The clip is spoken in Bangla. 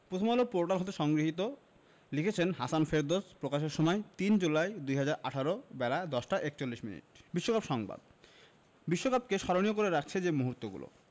প্রথমআলো পোর্টাল হতে সংগৃহীত লিখেছেন হাসান ফেরদৌস প্রকাশের সময় ৩ জুলাই ২০১৮ বেলা ১০টা ৪১মিনিট বিশ্বকাপ সংবাদ বিশ্বকাপকে স্মরণীয় করে রাখছে যে মুহূর্তগুলো